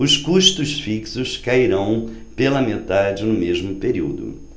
os custos fixos caíram pela metade no mesmo período